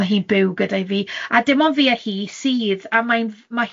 ma' hi'n byw gyda fi, a dim ond fi a hi sydd, a mae'n, ma'